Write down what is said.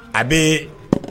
A bɛ